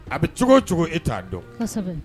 A bɛ cogo o cogo e t'a dɔn kɔsɛbɛ